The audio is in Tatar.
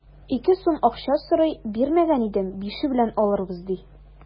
Ике сум акча сорый, бирмәгән идем, бише белән алырбыз, ди.